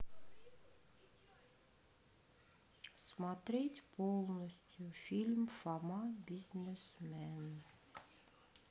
смотреть полностью фильм фома бизнесмен